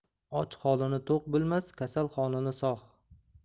och holini to'q bilmas kasal holini sog'